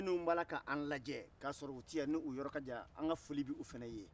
minnu b'a la k'an lajɛ k'a sɔrɔ u tɛ yan n'u yɔrɔ ka jan an ka foli bɛ u fana ye